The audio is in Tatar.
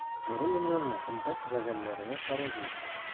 Нуруллинның «Мәхәббәт газәлләренә пародия»се.